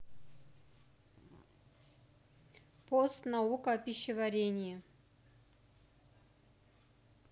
пост наука о пищеварении